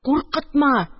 Куркытма